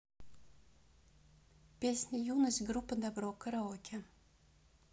песня юность группа добро караоке